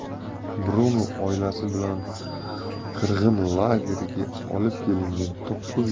bruno oilasi bilan qirg'in lageriga olib kelingan